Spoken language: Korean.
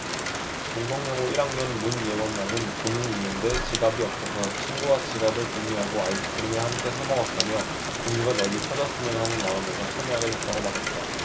동덕여고 일 학년 문예원 양은 돈은 있는데 지갑이 없어서 친구와 지갑을 공유하고 아이스크림을 함께 사먹었다며 공유가 널리 퍼졌으면 하는 마음에서 참여하게 됐다고 말했다